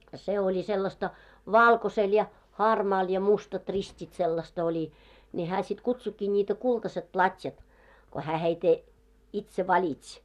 se oli sellaista valkoisella ja harmaalla ja mustat ristit sellaista oli niin hän sitten kutsuikin niitä kultaiset platjat kun hän heitä itse valitsi